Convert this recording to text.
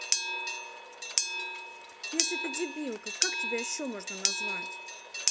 если ты дебилка как тебя еще можно назвать